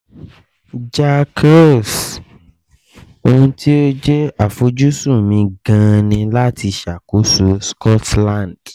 Jack Ross: “Ohun tí ó jẹ́ àfojúsùn mi gan an ni láti ṣàkóso Scotland’